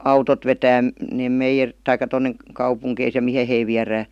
autot vetää ne - tai tuonne kaupunkeihin ja mihin he viedään